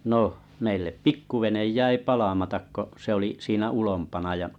no meille pikkuvene jäi palamatta kun se oli siinä ulompana